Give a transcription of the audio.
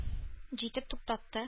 Җитеп туктатты